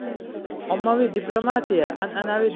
ommaviy diplomatiya an anaviy